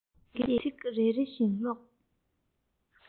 ཡི གེ ཚིག རེ རེ བཞིན ཀློག